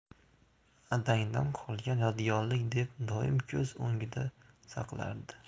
adangdan qolgan yodgorlik deb doim ko'z o'ngida saqlardi